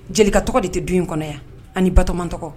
Jeli tɔgɔ de tɛ du in kɔnɔ yan ani batoma tɔgɔ